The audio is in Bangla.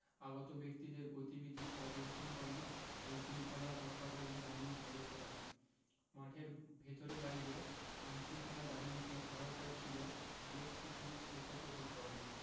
আগত ব্যক্তিদের গতিবিধি পর্যবেক্ষণ করেন আইনশৃঙ্খলা রক্ষাকারী বাহিনীর সদস্যরা মাঠের ভেতর বাইরে আইনশৃঙ্খলা বাহিনীকে সহায়তায় ছিল বেশ কিছু স্বেচ্ছাসেবক দল